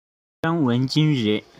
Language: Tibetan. ཀྲང ཝུན ཅུན རེད